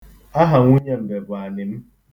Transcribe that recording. Aha nwunye mbe bụ Anịm.